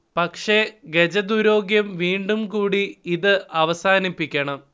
പക്ഷേ ഗജദുരോഗ്യം വീണ്ടും കൂടി. ഇത് അവസാനിപ്പിക്കണം